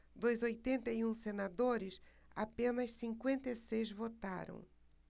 dos oitenta e um senadores apenas cinquenta e seis votaram